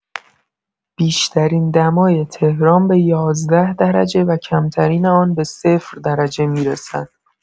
بیشترین دمای تهران به ۱۱ درجه و کمترین آن به صفر درجه می‌رسد.